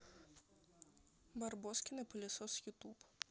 барбоскины пылесос ютюб